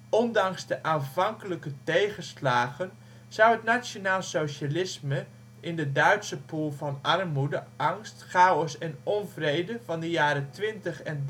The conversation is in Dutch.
Ondanks de aanvankelijke tegenslagen zou het nationaalsocialisme in de Duitse poel van armoede, angst, chaos en onvrede van de jaren twintig en